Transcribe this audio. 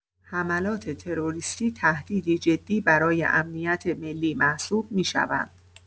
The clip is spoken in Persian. حملات تروریستی تهدیدی جدی برای امنیت ملی محسوب می‌شوند.